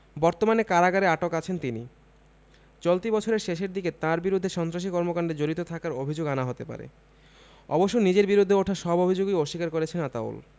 বর্তমানে কারাগারে আটক আছেন তিনি চলতি বছরের শেষের দিকে তাঁর বিরুদ্ধে সন্ত্রাসী কর্মকাণ্ডে জড়িত থাকার অভিযোগ আনা হতে পারে অবশ্য নিজের বিরুদ্ধে ওঠা সব অভিযোগই অস্বীকার করেছেন আতাউল